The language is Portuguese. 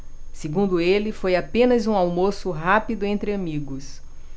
segundo ele foi apenas um almoço rápido entre amigos